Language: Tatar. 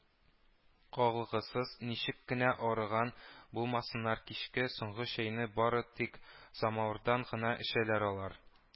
Кагылгысыз, ничек кенә арыган булмасыннар, кичке, соңгы чәйне бары тик самавырдан гына эчәләр алар